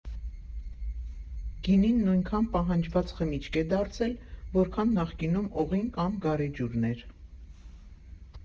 Գինին նույնքան պահանջված խմիչք է դարձել, որքան նախկինում օղին կամ գարեջուրն էր։